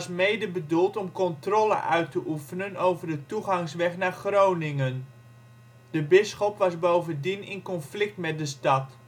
mede bedoeld om controle uit te oefenen over de toegangsweg naar Groningen. De bisschop was bovendien in conflict met de stad